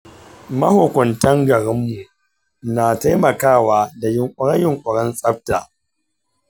mahukuntan garinmu na taimakawa da yunƙure-yunƙuren tsafta.